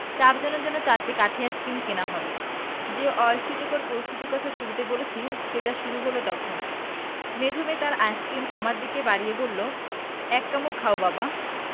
চারজনের জন্যে চারটি কাঠি আইসক্রিম কেনা হল যে অস্বস্তিকর পরিস্থিতির কথা শুরুতে বলেছি সেটা শুরু হল তখন মেজো মেয়ে তার আইসক্রিম আমার দিকে বাড়িয়ে বলল এক কামড় খাও বাবা